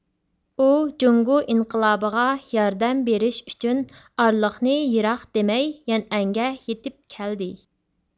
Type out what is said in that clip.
ئۇ جۇڭگو ئىنقىلابىغا ياردەم بېرىش ئۈچۈن ئارىلىقنى يىراق دېمەي يەنئەنگە يېتىپ كەلدى